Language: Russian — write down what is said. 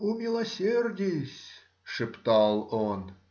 — Умилосердись,— шептал он.